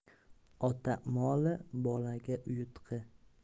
ota moli bolaga uyutqi